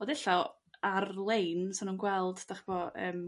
Ond e'lla' ar-lein 'sa nhw'n gweld 'dych 'bo' yrm